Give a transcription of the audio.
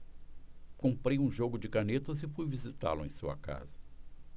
comprei um jogo de canetas e fui visitá-lo em sua casa